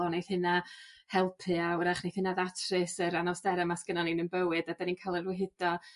o neith hyna helpu a 'w'rach neith hyna ddatrys yr anawstera 'ma sgynnon ni yn 'yn bywyd Ydan ni'n ca'l yn we- hudo.